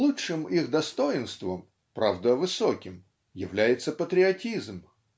лучшим их достоинством, правда -- высоким, является патриотизм